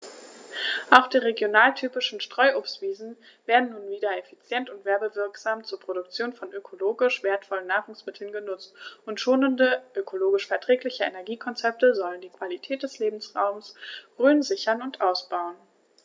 Auch die regionaltypischen Streuobstwiesen werden nun wieder effizient und werbewirksam zur Produktion von ökologisch wertvollen Nahrungsmitteln genutzt, und schonende, ökologisch verträgliche Energiekonzepte sollen die Qualität des Lebensraumes Rhön sichern und ausbauen.